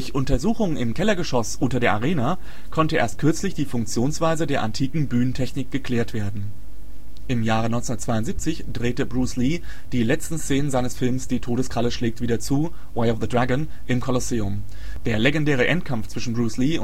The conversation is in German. Untersuchungen im Kellergeschoss unter der Arena konnte erst kürzlich die Funktionsweise der antiken Bühnentechnik geklärt werden. Im Jahre 1972 drehte Bruce Lee die letzten Szenen seines Films ' Die Todeskralle schlägt wieder zu ' (Way of the Dragon) im Kolosseum. Der legendäre Endkampf zwischen Bruce Lee